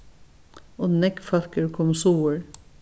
og nógv fólk eru komin suður